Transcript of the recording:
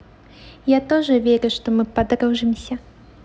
я тоже верю что мы подружимся